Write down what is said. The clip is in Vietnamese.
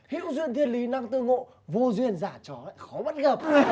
hữu duyên thiên lý năng tương ngộ vô duyên giả chó khó bắt gặp